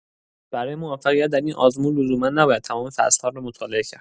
برای موفقیت در این آزمون لزوما نباید تمام فصل‌ها را مطالعه کرد.